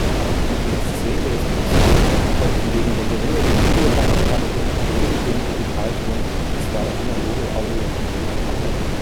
bei NTSC-Laserdiscs konnten wegen der geringeren Videobandbreite neben dem Digitalton zwei analoge Audiokanäle erhalten